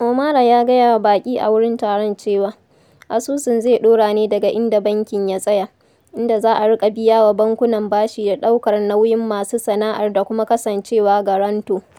Omarah ya gayawa baƙi a wurin taron cewa, asusun zai ɗora ne daga inda bankin ya tsaya, inda za a riƙa biya wa bankunan bashi da ɗaukar nauyin masu sana'ar da kuma kasancewa garanto.